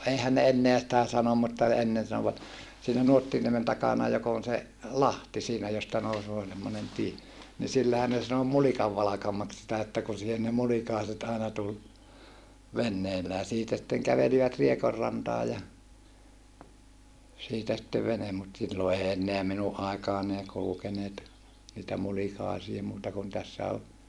eihän ne enää sitä sano mutta ennen sanoivat siinä Nuottiniemen takana joka on se lahti siinä josta nousee semmoinen tie niin sillähän ne sanoi Mulikanvalkamaksi sitä että kun siihen ne mulikaiset aina tuli veneillään siitä sitten kävelivät Riekonrantaan ja siitä sitten vene mutta silloin ei enää minun aikaan ei kulkeneet niitä mulikaisia muuta kuin tässä oli